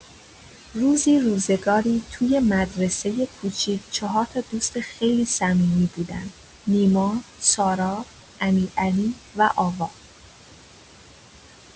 روزی روزگاری توی یه مدرسۀ کوچیک، چهار تا دوست خیلی صمیمی بودن: نیما، سارا، امیرعلی و آوا.